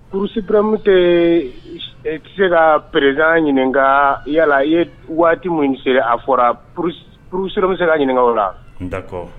Psipurre tɛ se ka perezd ɲininka yalala i ye waati minnu sera a fɔrasiurorome se ka ɲininka o la